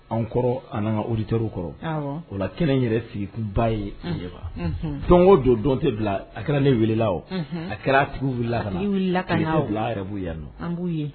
Anw kɔrɔ an ka otw kɔrɔ o la kɛnɛ yɛrɛ sigikuba ye dɔnko don dɔn tɛ bila a kɛra ne wulilala o a kɛra tigi wulila kawula yɛrɛ b'u yan bu